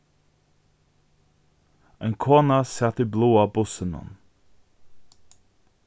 ein kona sat í bláa bussinum